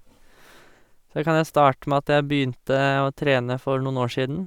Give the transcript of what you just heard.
Så da kan jeg starte med at jeg begynte å trene for noen år siden.